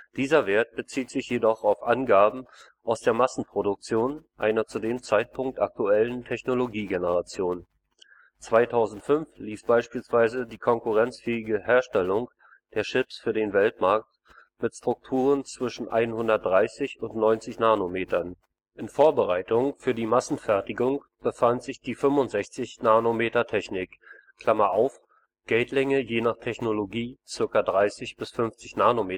Dieser Wert bezieht sich jedoch auf Angaben aus der Massenproduktion einer zu dem Zeitpunkt aktuellen Technologie-Generation. 2005 lief beispielsweise die konkurrenzfähige Herstellung der Chips für den Weltmarkt mit Strukturen zwischen 130 und 90 nm. In Vorbereitung für die Massenfertigung befand sich die 65-nm-Technik (Gatelänge je nach Technologie ca. 30 bis 50 nm